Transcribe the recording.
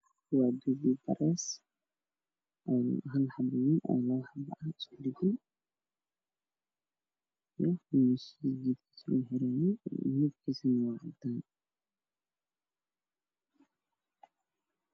Waa bareys hal xabo wayn oo labo xabo iskugu dhagan iyo mishiinka lugu xirayey midabkiisu waa cadaan.